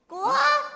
có